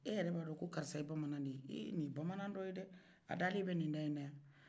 e yɛrɛ b'a dɔn ko karisa ye bamanan de ye ee ni ye bamanan dɔ ye dɛ a dalen bɛ da in na yan